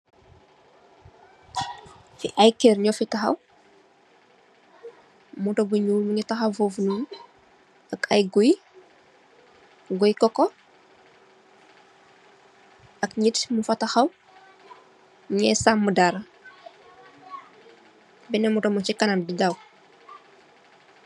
Fii aiiy kerr njur fii takhaw, motor bu njull mungy takhaw fofu nonu, ak aiiy guiiy, guiiyii coco, ak njehti lufa takhaw, njungeh saamu dara, benen motor mung chi kanam dii daw.